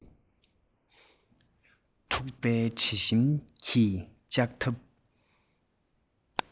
ཐུག པའི དྲི ཞིམ གྱིས ལྕགས ཐབ